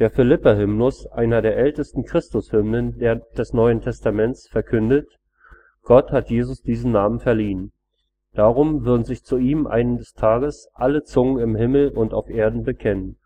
Philipperhymnus, einer der ältesten Christushymnen des NT, verkündet: Gott hat Jesus diesen Namen verliehen. Darum würden sich zu ihm eines Tages „ alle Zungen im Himmel und auf Erden bekennen